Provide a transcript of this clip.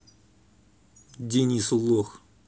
денис лох